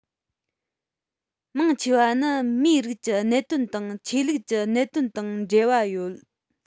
མང ཆེ བ ནི མི རིགས ཀྱི གནད དོན དང ཆོས ལུགས ཀྱི གནད དོན དང འབྲེལ བ ཡོད